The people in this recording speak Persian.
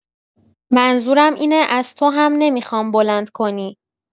منظورم اینه از تو هم نمی‌خوام بلند کنی.